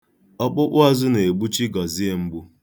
Ọkpụkpụazụ na-egbu Chigọzie mgbu.